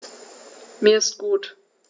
Mir ist gut.